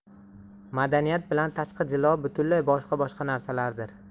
madaniyat bilan tashqi jilo butunlay boshqa boshqa narsalardir